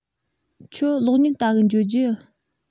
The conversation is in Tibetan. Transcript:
ཁྱོད གློག བརྙན ལྟ གི འགྱོ རྒྱུ